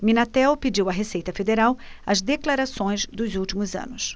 minatel pediu à receita federal as declarações dos últimos anos